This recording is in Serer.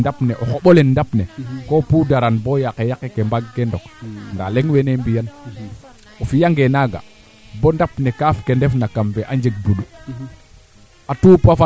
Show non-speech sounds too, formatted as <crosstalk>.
ndiki teeyo kam kee i ngooxa kaa waag na kaaga xay meen nda nene o ga Djiby i mbong ke a ñaaw de mi fene naa leya fo wo sax ñaaw ke <laughs> sooga nga mboor